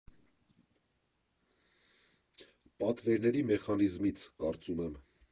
Պատվերների մեխանիզմից, կարծում եմ։